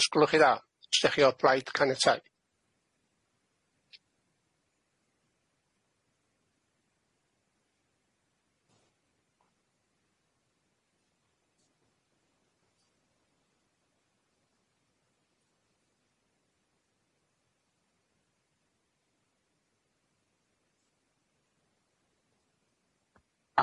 os gwelwch chi dda os 'da chi o blaid caniatáu.